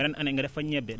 beneen année nga def fa ñebe